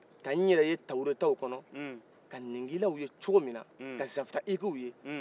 ka n yɛrɛ ye tawerataw kɔnɔ ka ninjilaw ye coko mina ka zaftahigu ye